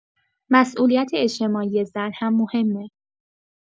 مسئولیت اجتماعی زن هم مهمه.